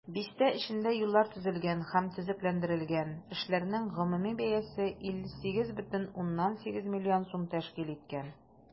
Бистә эчендә юллар төзелгән һәм төзекләндерелгән, эшләрнең гомуми бәясе 58,8 миллион сум тәшкил иткән.